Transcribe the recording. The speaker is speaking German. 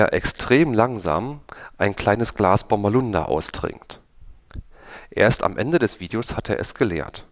extrem langsam ein kleines Glas Bommerlunder austrinkt. Erst am Ende des Videos hat er es geleert